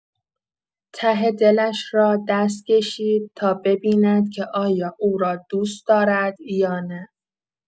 ته دلش را دست کشید تا ببیند که آیا او را دوست دارد یا نه؟!